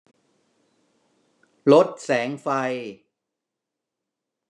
ลดแสงไฟ